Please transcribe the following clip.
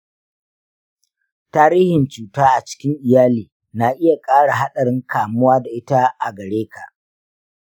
tarihin cuta a cikin iyali na iya ƙara haɗarin kamuwa da ita a gare ka.